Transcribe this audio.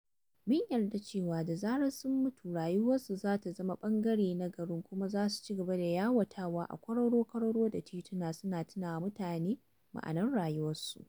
Mun yarda cewa da zarar sun mutu, rayukansu za su zama wani ɓangare na garin kuma za su cigaba da yawatawa a kwararo-kwararo da tituna, suna tunawa mutane ma'anar rayuwa.